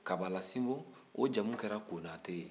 kabalasinbon o jamu taara kɛra konatɛ ye